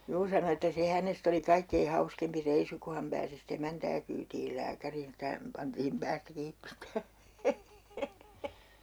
juu sanoi että se hänestä oli kaikkein hauskempi reissu kun hän pääsi sitten emäntää kyytimään lääkäriin että hän pantiin päästä kiinni pitämään